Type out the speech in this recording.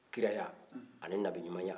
kiraya ani nabiɲumanya